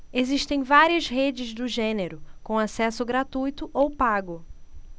existem várias redes do gênero com acesso gratuito ou pago